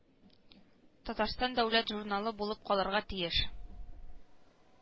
Татарстан дәүләт журналы булып калырга тиеш